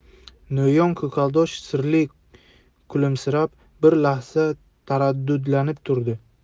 no'yon ko'kaldosh sirli kulimsirab bir lahza taraddudlanib turdi